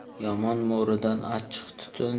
yomon mo'ridan achchiq tutun